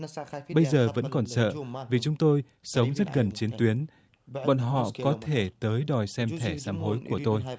bây giờ vẫn còn sợ vì chúng tôi sống rất gần chiến tuyến quân họ có thể tới đòi xem thẻ sám hối của tôi